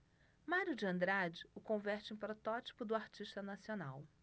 mário de andrade o converte em protótipo do artista nacional